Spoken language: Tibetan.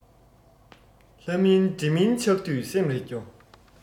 ལྷ མིན འདྲེ མིན ཆགས དུས སེམས རེ སྐྱོ